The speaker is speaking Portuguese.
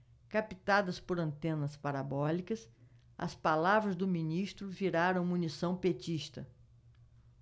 captadas por antenas parabólicas as palavras do ministro viraram munição petista